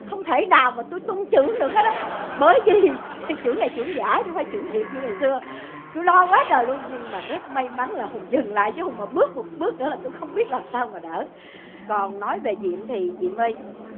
không thể nào mà tui tung chưởng được hết á bởi vì chưởng này chưởng giả chứ không phải hưởng thiệt như ngày xưa tôi lo quá trời luôn nhưng mà rất may mắn là hùng dừng lại chứ hùng mà một bước một bước nữa là tôi không biết làm sao mà đỡ còn nói về diệm thì diệm ơi